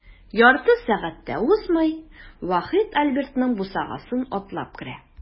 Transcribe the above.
Ярты сәгать тә узмый, Вахит Альбертның бусагасын атлап керә.